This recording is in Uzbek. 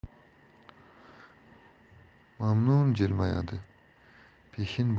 mamnun jilmayadi peshin